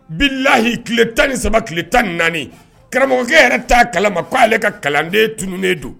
Bi lahi tile tan ni saba tile tan naani karamɔgɔkɛ yɛrɛ t ta kala k' aleale ka kalanden tununnen don